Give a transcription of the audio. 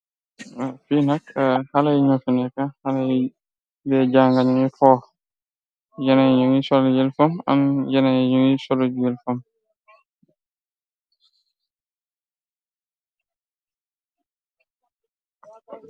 Finak xalay ño fi nekka, xalay bee jàngañ ngi foox, yenan yu ngi sor yëlfom, am yenay yu ngi soruj yëlfom.